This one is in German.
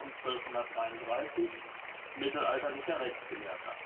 1233), mittelalterlicher Rechtsgelehrter